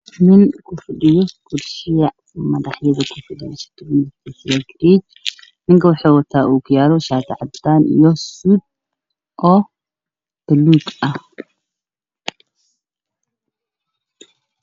Nin o ku fadhiyo kursi ninka waxuu wataa shati cadaan iyo suud baluug ah